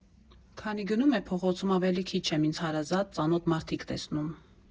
Քանի գնում է, փողոցում ավելի քիչ եմ ինձ հարազատ, ծանոթ մարդիկ տեսնում.